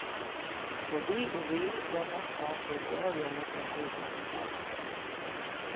so við og við bleiv hetta til øgiliga nógvar tímar um dagin